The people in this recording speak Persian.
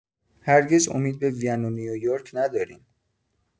هرگز امید به وین و نیویورک نداریم.